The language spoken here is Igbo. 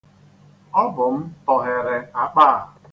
Ọ bụ m tọghere akpa a.